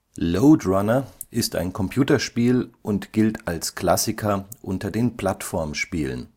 Lode Runner ist ein Computerspiel und gilt als Klassiker unter den Plattform-Spielen